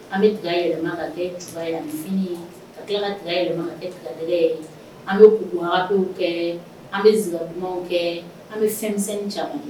An bɛ tila yɛrɛ ka kɛ ye ka ka yɛlɛma ye an bɛwa kɛ an bɛ zsa dumanw kɛ an bɛ fɛnmisɛn caman